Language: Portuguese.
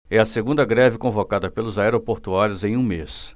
é a segunda greve convocada pelos aeroportuários em um mês